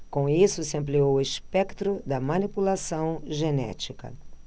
com isso se ampliou o espectro da manipulação genética